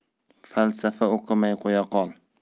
falsafa o'qimay qo'yaqol